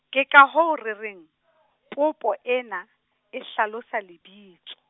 ke ka hoo re reng, popo ena, e hlalosa lebitso.